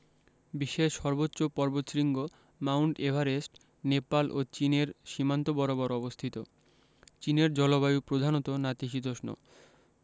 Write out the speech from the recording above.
বিশ্বের সর্বোচ্চ পর্বতশৃঙ্গ মাউন্ট এভারেস্ট নেপাল ও চীনের সীমান্ত বরাবর অবস্থিত চীনের জলবায়ু প্রধানত নাতিশীতোষ্ণ